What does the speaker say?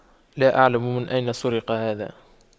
لا اعلم من اين سرق هذا